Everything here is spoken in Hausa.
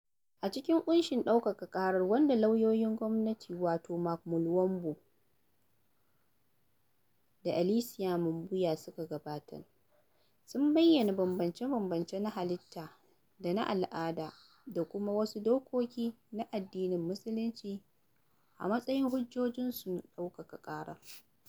A cikin ƙunshin ɗaukaka ƙarar wanda lauyoyin gwamnati wato Mark Mulwambo da Alesia Mbuya suka gabatar, sun bayyana bambamce-bambamce na halitta da na al'ada da kuma wasu dokoki na addinin musulunci a matsayin hujjojinsu na ɗaukaka ƙarar.